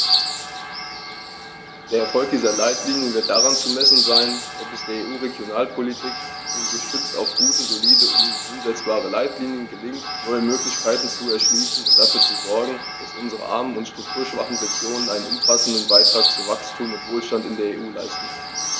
Der Erfolg dieser Leitlinien wird daran zu messen sein, ob es der EU-Regionalpolitik, gestützt auf gute, solide und umsetzbare Leitlinien, gelingt, neue Möglichkeiten zu erschließen und dafür zu sogen, dass unsere armen und strukturschwachen Regionen einen umfassenden Beitrag zu Wachstum und Wohlstand in der EU leisten können.